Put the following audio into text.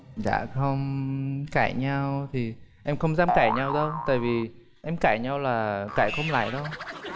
dạ không cãi nhau thì em không dám cãi nhau đâu tại vì em cãi nhau là cãi không lại đâu